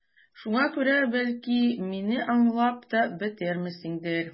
Шуңа күрә, бәлки, мине аңлап та бетермисеңдер...